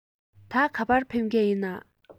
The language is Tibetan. ད ག པར ཕེབས མཁན ཡིན ན